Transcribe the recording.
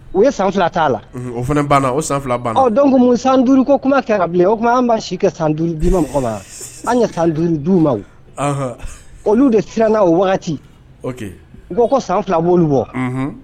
U ye san 2 ta la, unhun, o fana baanna, o san2 baana.Ɔ donc mun san 5 ko kuma kɛra bilen, o tuma an b'a si ka san 5 di l'u ma? Anw ye san 5 d'u ma wo, ɔɔnhon ,olu de siran na o wagati, ok, u ko ko san fila b'olu bɔ, unhun.